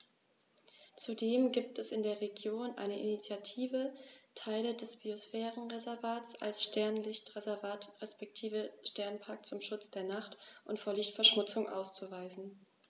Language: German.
Zudem gibt es in der Region eine Initiative, Teile des Biosphärenreservats als Sternenlicht-Reservat respektive Sternenpark zum Schutz der Nacht und vor Lichtverschmutzung auszuweisen.